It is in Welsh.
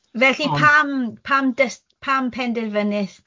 Felly...Ond... pam, pam dysg- pam penderfynest